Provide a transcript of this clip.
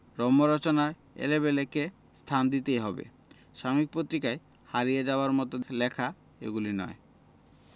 রম্য রচনায় এলেবেলে' কে স্থান দিতেই হবে সাময়িক পত্রিকায় হারিয়ে যাবার মত লেখা এগুলি নয়